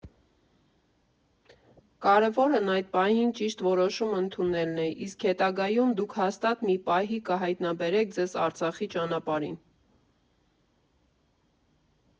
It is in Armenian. Կարևորն այդ պահին ճիշտ որոշում ընդունելն է, իսկ հետագայում դուք հաստատ մի պահի կհայտնաբերեք ձեզ Արցախի ճանապարհին։